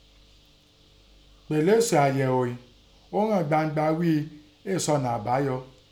Pẹ̀lú èsì àyẹ̀ò ìín, ó hàn gbangba wí é sí ọ̀nà àbáyọ.